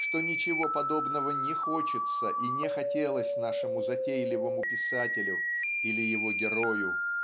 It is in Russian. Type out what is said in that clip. что ничего подобного не хочется и не хотелось нашему затейливому писателю (или его герою)